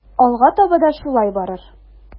Алга таба да шулай барыр.